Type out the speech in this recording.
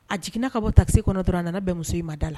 A jiginna ka bɔ taxi kɔnɔ dɔrɔn a nana bɛn muso in ma da la